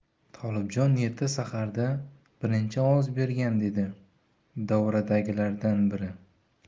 tolibjon erta saharda birinchi ovoz bergan dedi davradagilardan biri